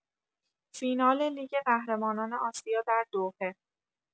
فینال لیگ قهرمانان آسیا در دوحه